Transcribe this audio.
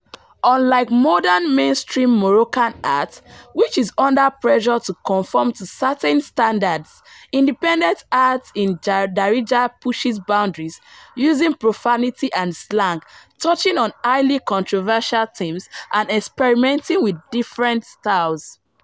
Unlike modern mainstream Moroccan art, which is under pressure to conform to certain standards, independent art in Darija pushes boundaries, using profanity and slang, touching on highly controversial themes, and experimenting with different styles.